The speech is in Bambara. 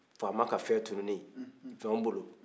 faama ka fɛn tununen jɔn bolo